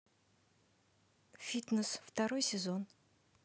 фитнес второй сезон